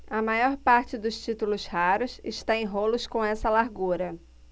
a maior parte dos títulos raros está em rolos com essa largura